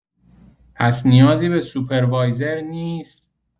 پس نیازی به سوپروایزر نیست؟